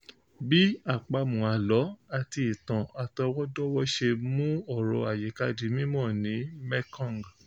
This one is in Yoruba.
Bí àpamọ́ àlọ́ àti ìtàn àtọwọ́dọ́wọ́ ṣe mú ọ̀rọ̀ àyíká di mímọ̀ ní Mekong